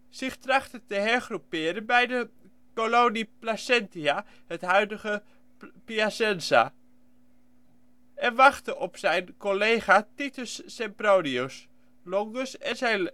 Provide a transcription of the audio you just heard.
zich trachtte te hergroeperen bij de kolonie Placentia (het huidige Piacenza) en wachtte op zijn collega Titus Sempronius Longus en zijn